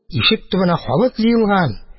Ишек төбенә халык җыелган.